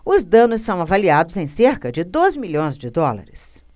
os danos são avaliados em cerca de dois milhões de dólares